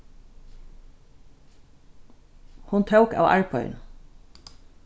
hon tók av arbeiðinum